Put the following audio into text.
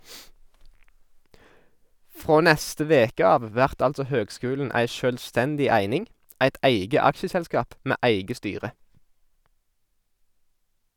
Frå neste veke av vert altså høgskulen ei sjølvstendig eining, eit eige aksjeselskap med eige styre.